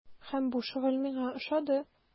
Һәм бу шөгыль миңа ошады.